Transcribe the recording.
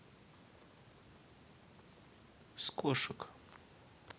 с кошек